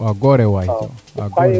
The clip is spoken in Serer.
waaw goore waay waaw goore